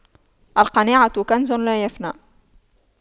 القناعة كنز لا يفنى